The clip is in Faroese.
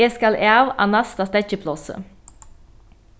eg skal av á næsta steðgiplássi